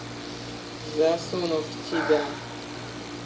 засунув в тебя